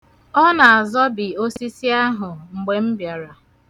Ọ na-azọbi osisi ahụ mgbe m bịara.